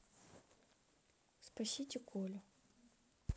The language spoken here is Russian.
спасите колю